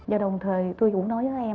và đồng thời tôi cũng nói với